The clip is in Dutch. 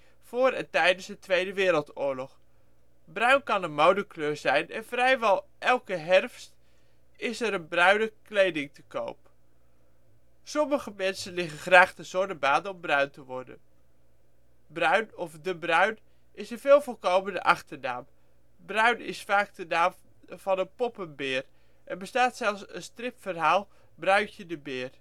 voor en tijdens de Tweede Wereldoorlog. Bruin kan een modekleur zijn en vrijwel elke herfst is er bruine kleding te koop. Sommige mensen liggen graag te zonnebaden om bruin te worden. Bruin of De Bruin is een veel voorkomende achternaam. Bruin is vaak de naam van een poppenbeer. Er bestaat zelfs een stripverhaal Bruintje de Beer